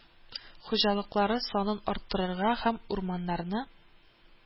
Хуҗалыклары санын арттырырга һәм урманнарны